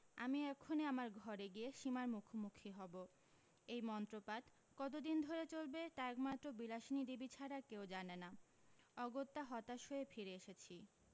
আমি এখনি আমার ঘরে গিয়ে সীমার মুখোমুখি হবো এই মন্ত্রপাঠ কতদিন ধরে চলবে তা একমাত্র বিলাসিনী দেবী ছাড়া কেউ জানে না অগত্যা হতাশ হয়ে ফিরে এসেছি